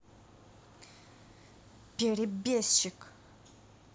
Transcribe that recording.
перебезчик